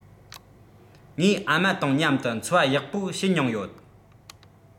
ངའི ཨ མ དང མཉམ དུ འཚོ བ ཡག པོ བྱེད མྱོང ཡོད